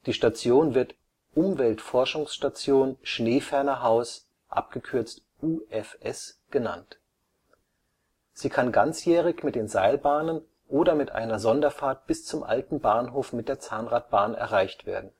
Station wird Umwelt-Forschungsstation Schneefernerhaus (UFS) genannt. Sie kann ganzjährig mit den Seilbahnen oder mit einer Sonderfahrt bis zum alten Bahnhof mit der Zahnradbahn erreicht werden